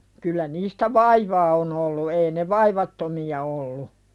kyllä niistä vaivaa on ollut ei ne vaivattomia ollut